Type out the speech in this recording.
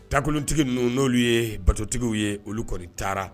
Takotigi ninnu n'olu ye batotigiww ye olu kɔni taara